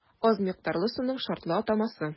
Аз микъдарлы суның шартлы атамасы.